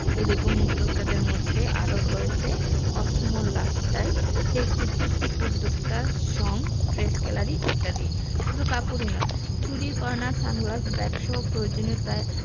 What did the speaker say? এ রকম উদ্যোক্তাদের মধ্যে আরও রয়েছে আসমোর লাইফস্টাইল ফেসবুকভিত্তিক উদ্যোক্তা সঙ ড্রেস গ্যালারি ইত্যাদি শুধু কাপড়ই নয় চুড়ি গয়না সানগ্লাস ব্যাগসহ প্রয়োজনীয় প্রায়